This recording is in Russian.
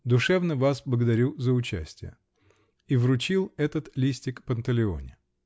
Душевно вас благодарю за участие" -- и вручил этот листик Панталеоне.